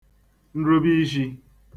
nrubiishī